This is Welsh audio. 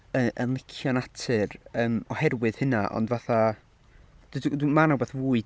Yy, yn licio natur yym oherwydd hynna ond fatha, d- dw- ma' 'na rhywbeth fwy...